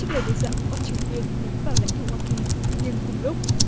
trước lời đe dọa của bắc triều tiên nhắm vào lãnh thổ hoa kỳ nhưng cùng lúc